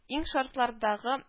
Иң шартлардагы